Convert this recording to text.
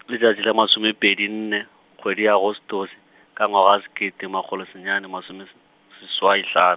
letšatši la masome pedi nne, kgwedi ya Agostose, ka ngwaga wa sekete makgolo senyane masome s-, seswai hlano.